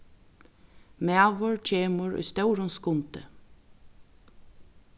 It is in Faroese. maður kemur í stórum skundi